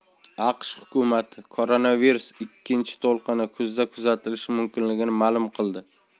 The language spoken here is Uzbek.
aqsh hukumati koronavirusning ikkinchi to'lqini kuzda kuzatilishi mumkinligini ma'lum qildi